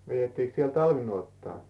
vedettiinkö siellä talvinuottaa